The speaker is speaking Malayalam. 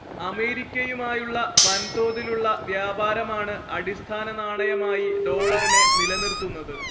അമേരിക്കയുമായുള്ള വൻതോതിലുള്ള വ്യാപാരമാണ് അടിസ്ഥാന നാണയമായി ഡോളറിനെ നിലനിർത്തുന്നത്